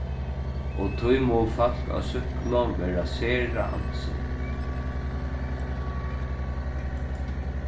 og tí mugu fólk á súkklu vera sera ansin